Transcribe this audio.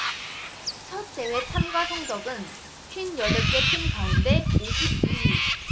첫 대회 참가 성적은 쉰 여덟 개 팀 가운데 오십 이 위